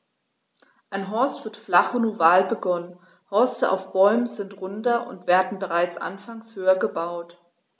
Ein Horst wird flach und oval begonnen, Horste auf Bäumen sind runder und werden bereits anfangs höher gebaut.